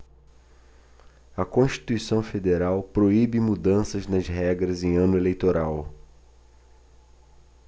a constituição federal proíbe mudanças nas regras em ano eleitoral